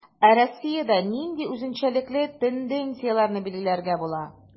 Ә Россиядә нинди үзенчәлекле тенденцияләрне билгеләргә була?